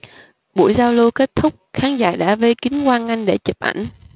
buổi giao lưu kết thúc khán giả đã vây kín quang anh để chụp ảnh